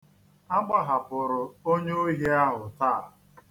A gbahapụrụ onye ohi ahụ taa.